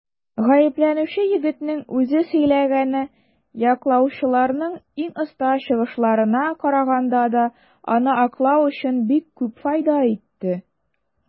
Гаепләнүче егетнең үзе сөйләгәне яклаучыларның иң оста чыгышларына караганда да аны аклау өчен бик күп файда итте.